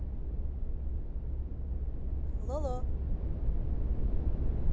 лоло